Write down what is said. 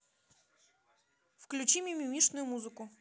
включи мимимишную музыку